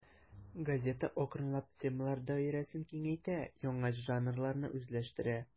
Газета акрынлап темалар даирәсен киңәйтә, яңа жанрларны үзләштерә.